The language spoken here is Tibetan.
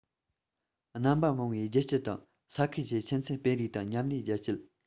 རྣམ པ མང བའི རྒྱལ སྤྱི དང ས ཁུལ གྱི ཚན རྩལ སྤེལ རེས དང མཉམ ལས རྒྱ སྐྱེད